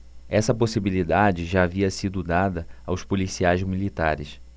essa possibilidade já havia sido dada aos policiais militares